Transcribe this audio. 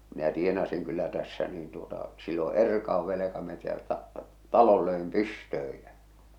minä tienasin kyllä tässä niin tuota silloin erkauduin velkametsältä talon löin pystyyn ja